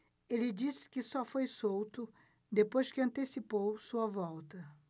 ele disse que só foi solto depois que antecipou sua volta